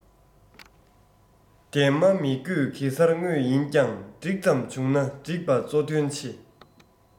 འདན མ མི དགོས གེ སར དངོས ཡིན ཀྱང འགྲིག ཙམ བྱུང ན འགྲིགས པ གཙོ དོན ཆེ